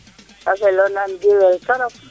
a fela nan gilwel trop